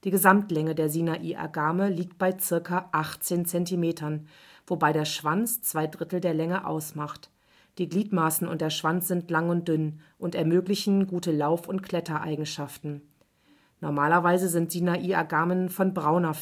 Gesamtlänge der Sinai-Agame liegt bei circa 18 cm, wobei der Schwanz zwei Drittel der Länge ausmacht. Die Gliedmaßen und der Schwanz sind lang und dünn und ermöglichen gute Lauf - und Klettereigenschaften. Normalerweise sind Sinai-Agamen von brauner